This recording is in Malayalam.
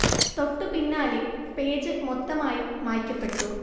തൊട്ടു പിന്നാലെ പേജ് മൊത്തമായും മായ്ക്കപ്പെട്ടു